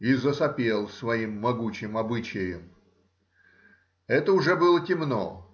И засопел своим могучим обычаем. Это уже было темно